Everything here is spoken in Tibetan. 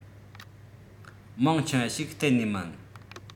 མང ཆེ བ ཞིག གཏན ནས མིན